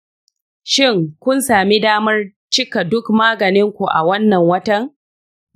shin, kun sami damar cika duk maganin ku a wannan watan?